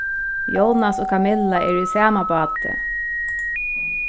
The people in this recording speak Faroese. jónas og kamilla eru í sama báti